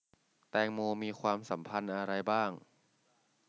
แตงโมมีความสัมพันธ์อะไรบ้าง